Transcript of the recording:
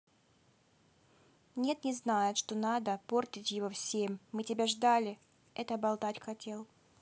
нет не знает что надо портить его всем мы тебя ждали это болтать хотел